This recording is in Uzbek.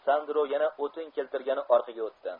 sandro yana o'tin keltirgani orqaga o'tdi